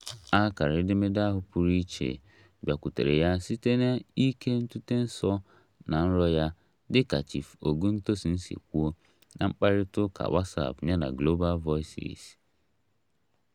Akara edemede ahụ pụrụ iche bịakwutere ya site n'ike ntụte nsọ na nrọ ya, dị ka Chief Ògúntósìn si kwuo na mkparịta ụka WhatsApp ya na Global Voices.